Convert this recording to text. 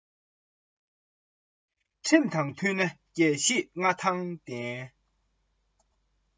རྒྱལ པོ ཆེན པོ ཡུལ གྱི རྒྱན ཆ རེད